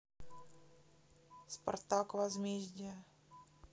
спартак возмездие